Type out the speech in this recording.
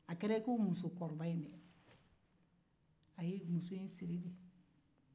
a kera i ko musokɔrɔba in ye muso in siri de